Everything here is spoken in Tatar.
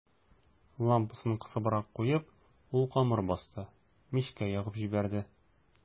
Лампасын кысыбрак куеп, ул камыр басты, мичкә ягып җибәрде.